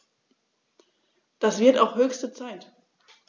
Das wird auch höchste Zeit!